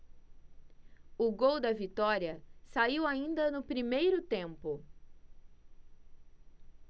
o gol da vitória saiu ainda no primeiro tempo